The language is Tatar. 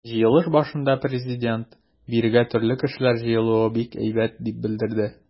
Җыелыш башында Президент: “Бирегә төрле кешеләр җыелуы бик әйбәт", - дип белдерде.